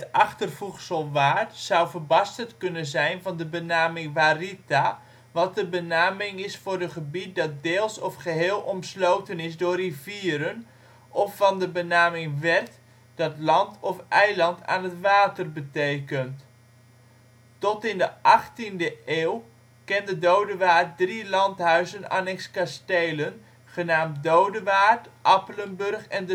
achtervoegsel waard zou verbasterd kunnen zijn van de benaming waritha, wat de benaming is voor een gebied dat deels of geheel omsloten is door rivieren, of van de benaming werth dat land of eiland aan het water betekent. Tot in de 18e eeuw kende Dodewaard drie landhuizen annex kastelen, genaamd Dodewaard, Appelenburg en